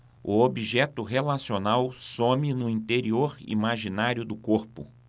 o objeto relacional some no interior imaginário do corpo